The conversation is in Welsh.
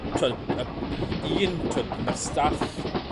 T'wod yy un t'wod ma'r staff